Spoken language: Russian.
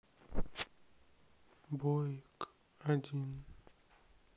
бои к один